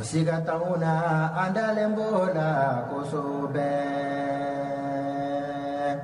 Siga taa la an ntalen ko laso bɛ